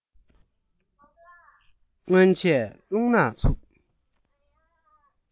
སྔོན ཆད རླུང ནག འཚུབ